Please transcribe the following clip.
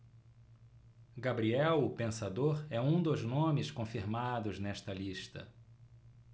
gabriel o pensador é um dos nomes confirmados nesta lista